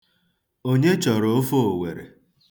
Onye chọrọ ofe owere?